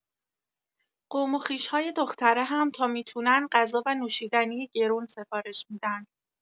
قوم و خویش‌های دختره هم تا می‌تونن غذا و نوشیدنی گرون سفارش می‌دن